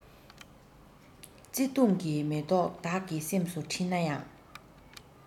བརྩེ དུང གི མེ ཏོག བདག གི སེམས སུ འཁྲེན ན ཡང